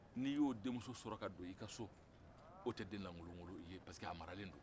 n'i y'o denmuso sɔrɔ ka don i ka so o tɛ denlankolo parce que a maralen do